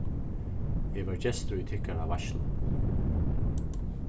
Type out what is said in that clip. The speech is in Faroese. eg var gestur í tykkara veitslu